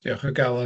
Diolch o galon...